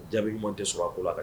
Jaabiɲuman tɛ sɔrɔ a ko la kan